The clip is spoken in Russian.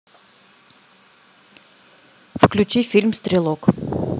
включи фильм стрелок